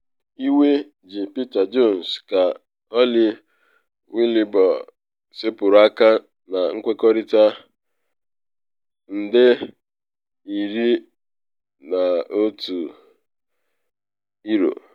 ‘Iwe’ ji Peter Jones ka Holly Willoughby sepụrụ aka na nkwekọrịta £11million